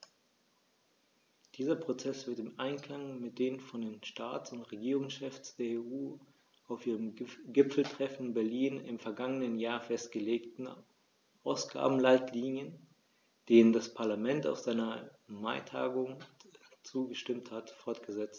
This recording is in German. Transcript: Dieser Prozess wird im Einklang mit den von den Staats- und Regierungschefs der EU auf ihrem Gipfeltreffen in Berlin im vergangenen Jahr festgelegten Ausgabenleitlinien, denen das Parlament auf seiner Maitagung zugestimmt hat, fortgesetzt.